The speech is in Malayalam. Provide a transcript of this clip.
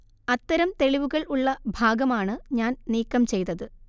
അത്തരം തെളിവുകൾ ഉള്ള ഭാഗമാണ് ഞാൻ നീക്കം ചെയ്തത്